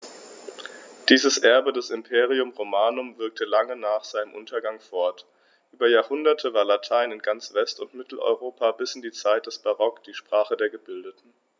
Dieses Erbe des Imperium Romanum wirkte lange nach seinem Untergang fort: Über Jahrhunderte war Latein in ganz West- und Mitteleuropa bis in die Zeit des Barock die Sprache der Gebildeten.